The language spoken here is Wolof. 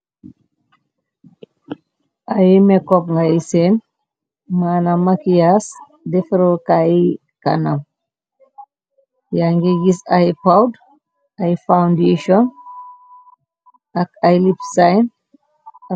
Ay makeup ngè senn, manam makiyass dèfarokaay kanam. Ya ngè gëss ay pot, ay foundation ak ay lipsin.